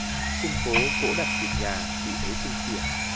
trên phố cỗ đặt thịt gà bị ế xưng xỉa